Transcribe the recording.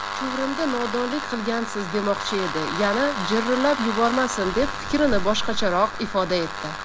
chuvrindi nodonlik qilgansiz demoqchi edi yana jirillab yubormasin deb fikrini boshqacharoq ifoda etdi